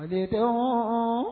Mɔ tɛ